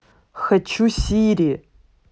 хочу сири